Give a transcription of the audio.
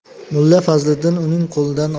mulla fazliddin uning qo'lidan